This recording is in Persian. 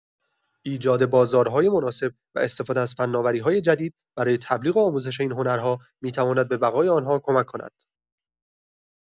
ایجاد بازارهای مناسب و استفاده از فناوری‌های جدید برای تبلیغ و آموزش این هنرها می‌تواند به بقای آن‌ها کمک کند.